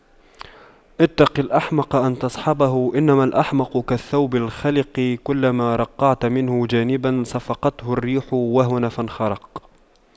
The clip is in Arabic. اتق الأحمق أن تصحبه إنما الأحمق كالثوب الخلق كلما رقعت منه جانبا صفقته الريح وهنا فانخرق